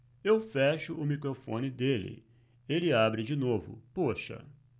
eu fecho o microfone dele ele abre de novo poxa